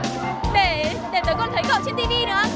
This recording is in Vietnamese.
để để tớ còn thấy cậu trên ti vi